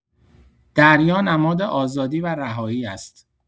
دریا نماد آزادی و رهایی است؛